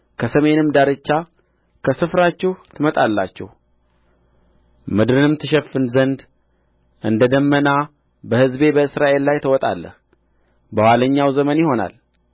ከሰሜን ዳርቻ ከስፍራችሁ ትመጣላችሁ ምድርንም ትሸፍን ዘንድ እንደ ደመና በሕዝቤ በእስራኤል ላይ ትወጣለህ በኋለኛው ዘመን ይሆናል